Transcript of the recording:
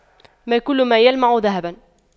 ما كل ما يلمع ذهباً